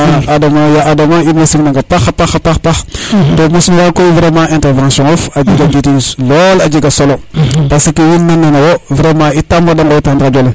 Adama Adam in way sim nanga paaxa paax to musluwa koy vraiment intervention of a jega njiriñ lool a jega solo parce que nan nena wo vraiment i taam wa de ŋoyit no rajo le